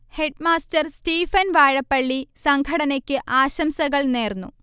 headmaster Stephen Vazhappally സംഘടനയ്ക്ക് ആശംസകൾ നേർന്നു